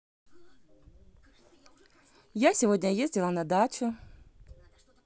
я сегодня ездила на дачу